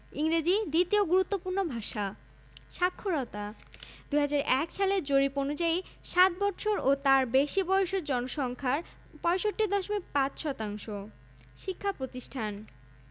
Rakhine Manipuri Murong ইত্যাদি উল্লেখযোগ্য ধর্ম মুসলমান ৮৮দশমিক ৩ শতাংশ হিন্দু ১০দশমিক ৫ শতাংশ বৌদ্ধ ০ দশমিক ৬ শতাংশ